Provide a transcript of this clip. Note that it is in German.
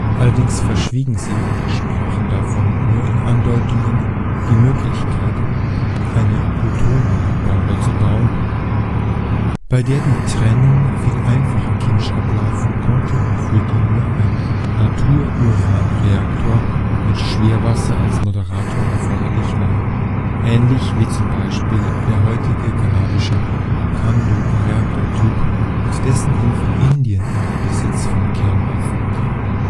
Allerdings verschwiegen sie (oder sprachen davon nur in Andeutungen) die Möglichkeit, eine Plutoniumbombe zu bauen, bei der die Trennung viel einfacher chemisch ablaufen konnte und für die nur ein Natururan-Reaktor mit Schwerwasser als Moderator erforderlich war (ähnlich wie zum Beispiel der heutige kanadische Candu-Reaktortyp, mit dessen Hilfe Indien in den Besitz von Kernwaffen kam